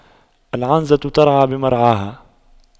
العنزة ترعى بمرعاها